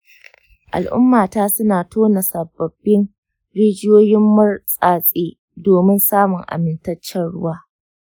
al'ummata su na tona sababbin rijiyoyin murtsatse domin samun amintaccen ruwa.